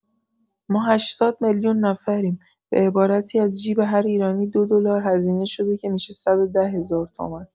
ما ۸۰ میلیون نفریم، به عبارتی از جیب هر ایرانی ۲ دلار هزینه شده که می‌شه ۱۱۰ هزار تومن.